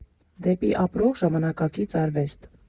Դեպի ապրող (ժամանակակից) արվեստ։